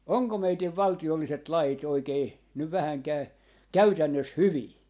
onko meidän valtiolliset lait oikein nyt vähänkään käytännössä hyviä